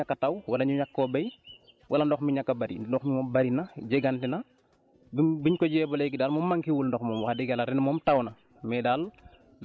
du du nag pour mu ñàkk a taw wala ñu ñàkk koo béy wala ndox mi ñàkk a bëri ndox mi moom bëri na jegante na bim bi ñu ko jiyee ba léegi daal moom manqué wul ndox moom wax dëgg yàlla ren moom taw na